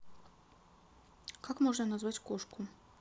как можно назвать кошку